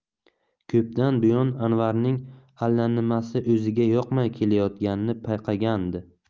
ko'pdan buyon anvarning allanimasi o'ziga yoqmay kelayotganini payqagandi